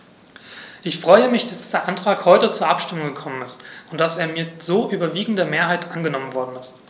Ich freue mich, dass der Antrag heute zur Abstimmung gekommen ist und dass er mit so überwiegender Mehrheit angenommen worden ist.